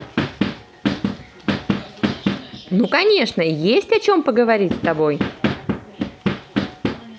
ну конечно есть о чем поговорить с тобой